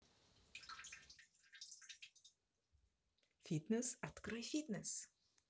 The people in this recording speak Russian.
фитнес открой фитнес